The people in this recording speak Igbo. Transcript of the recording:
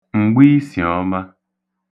m̀gbiisìọ̄mā